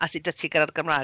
â sy 'da ti gyda'r Gymraeg.